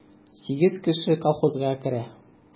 Сигез кеше колхозга керә.